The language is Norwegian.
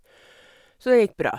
Så det gikk bra.